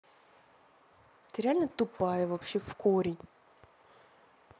ты реально тупая вообще в корень